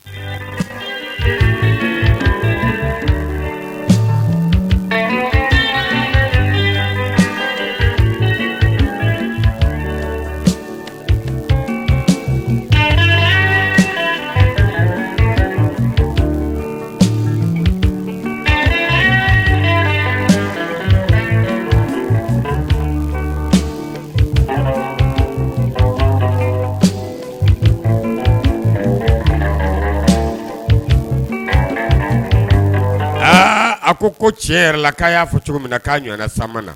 A ko ko cɛ yɛrɛ k'a y'a fɔ cogo min na k aa ɲɔgɔn san